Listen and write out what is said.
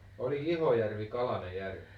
oliko Ihojärvi kalainen järvi